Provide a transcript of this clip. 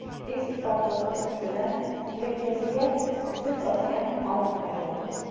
eski paltosining ustidan yelkasiga jild osgan orif paydo bo'ldi